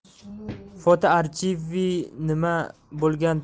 footarchivenima bo'lgan taqdirda ham argentinalik futbolchining